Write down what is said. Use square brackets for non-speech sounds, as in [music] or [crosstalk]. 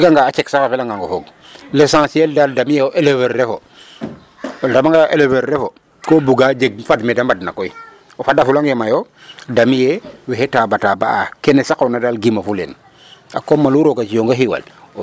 o jega nga a cek sax a fela ngaŋ o fog l' essentiel dal dami ye o éleveur refe [noise] o dama nga ye o éleveur refo ko buga jeg fad mete mbaɗ na koy o fada fula nge ma yo damiye waxey taba taba a ke saqona daal gima fuleen a koma lu roga ci onga xiwal